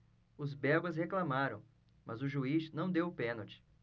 os belgas reclamaram mas o juiz não deu o pênalti